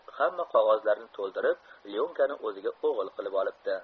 hamma qog'ozlarni to'ldirib lyonkani o'ziga o'g'il qilib olibdi